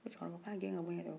ko cɛkɔrɔba ka gɛn k'a bɔ yen